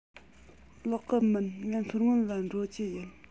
ལོག གི མིན ང མཚོ སྔོན ལ འགྲོ རྒྱུ ཡིན